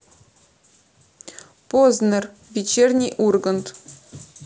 познер вечерний ургант